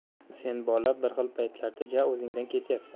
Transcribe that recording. sen bola bir xil paytlarda ja o'zingdan ketyapsan